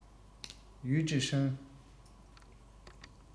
ཡུས ཀྲེང ཧྲེང